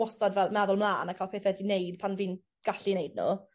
wostad fel meddwl mlaen a ca'l pethe 'di neud pan fi'n gallu neud n'w